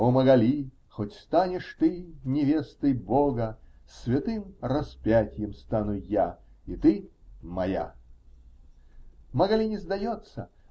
"-- "О, Магали, хоть станешь ты невестой Бога, -- святым распятьем стану я-- и ты моя". Магали не сдается.